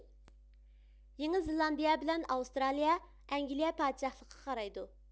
يېڭى زېللاندىيە بىلەن ئاۋسترالىيە ئەنگلىيە پادىشاھلىقىغا قارايدۇ